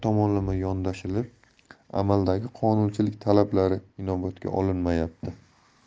tomonlama yondoshilib amaldagi qonunchilik talablari inobatga olinmayapti